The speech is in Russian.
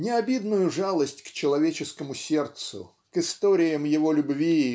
Необидную жалость к человеческому сердцу к историям его любви